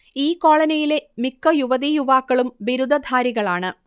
ഈ കോളനിയിലെ മിക്ക യുവതിയുവാക്കളും ബിരുദധാരികളാണ്